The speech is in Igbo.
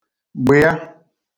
gbị̀a